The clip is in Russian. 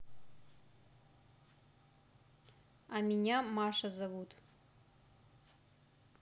а меня маша зовут